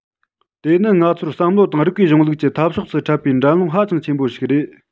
དེ ནི ང ཚོར བསམ བློ དང རིགས པའི གཞུང ལུགས ཀྱི འཐབ ཕྱོགས སུ འཕྲད པའི འགྲན སློང ཧ ཅང ཆེན པོ ཞིག རེད